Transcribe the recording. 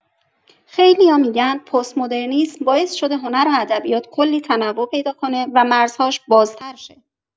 خیلی‌ها می‌گن پست‌مدرنیسم باعث شده هنر و ادبیات کلی تنوع پیدا کنه و مرزهاش بازتر شه.